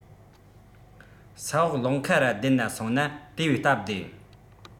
ས འོག རླངས འཁོར བསྡད ནས སོང ན དེ བས སྟབས བདེ